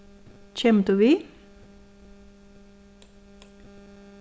kemur tú við